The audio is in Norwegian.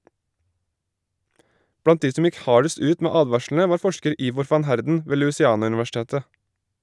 Blant de som gikk hardest ut med advarslene var forsker Ivor van Heerden ved Louisiana-universitetet.